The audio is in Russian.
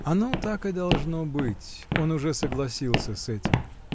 Оно так и должно быть: он уже согласился с этим.